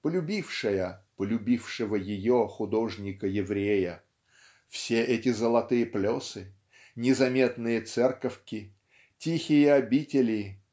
полюбившая полюбившего ее художника-еврея все эти золотые плесы незаметные церковки тихие обители